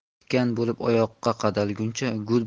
tikan bo'lib oyoqqa qadalguncha